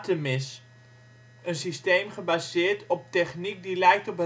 Een systeem gebaseerd op techniek die lijkt op